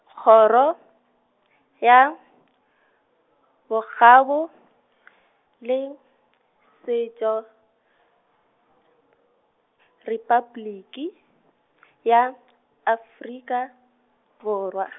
Kgoro, ya, Bokgabo , le, Setšo , Repabliki, ya, Afrika, Borwa.